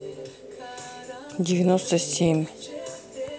девяносто семь